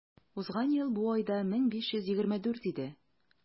Узган ел бу айда 1524 иде.